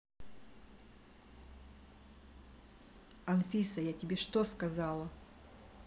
анфиса я тебе что сказала